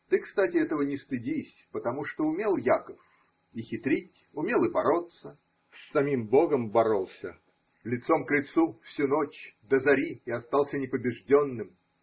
Ты, кстати, этого не стыдись, потому что умел Яаков и хитрить, умел и бороться – с самим Богом боролся лицом к лицу всю ночь до зари, и остался непобежденным